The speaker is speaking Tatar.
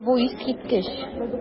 Бу бит искиткеч!